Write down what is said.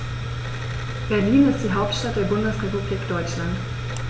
Berlin ist die Hauptstadt der Bundesrepublik Deutschland.